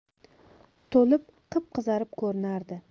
to'lib qipqizarib ko'rinardi